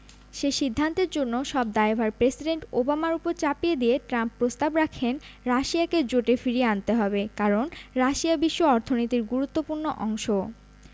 সে সিদ্ধান্তের জন্য সব দায়ভার প্রেসিডেন্ট ওবামার ওপর চাপিয়ে দিয়ে ট্রাম্প প্রস্তাব রাখেন রাশিয়াকে জোটে ফিরিয়ে আনতে হবে কারণ রাশিয়া বিশ্ব অর্থনীতির গুরুত্বপূর্ণ অংশ